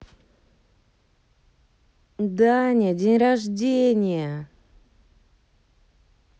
даня день рождения